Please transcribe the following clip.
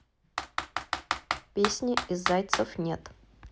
песни из зайцев нет